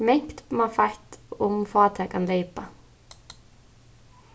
mangt má feitt um fátækan leypa